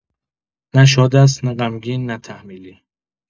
نه شاد است، نه غمگین، نه تحمیلی.